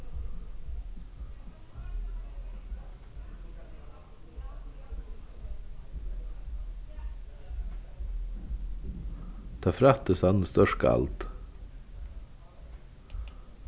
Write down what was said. tað frættist at hann er stórt skald